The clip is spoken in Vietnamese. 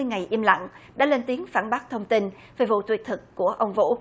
ngày im lặng đã lên tiếng phản bác thông tin về vụ tuyệt thực của ông vũ